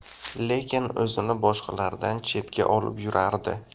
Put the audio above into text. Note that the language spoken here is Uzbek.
lekin o'zini boshqalardan chetga olib yurardi